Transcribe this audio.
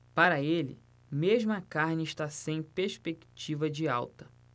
para ele mesmo a carne está sem perspectiva de alta